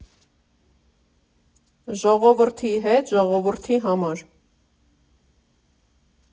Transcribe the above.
Ժողովրդի հետ, ժողովրդի համար։